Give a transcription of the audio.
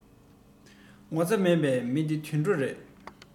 ངོ ཚ མེད པའི མི དེ དུད འགྲོ རེད